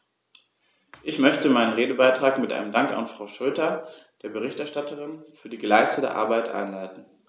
Ich möchte meinen Redebeitrag mit einem Dank an Frau Schroedter, der Berichterstatterin, für die geleistete Arbeit einleiten.